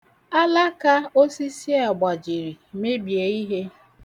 Alaka osisi a gbajiri, mebie ihe.